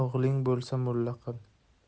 o'g'ling bo'lsa mulla qil